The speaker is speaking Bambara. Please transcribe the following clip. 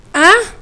A